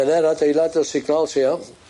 Dyna'r adeilad y signals ia.